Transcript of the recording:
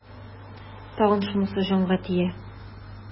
Тагын шунысы җанга тия.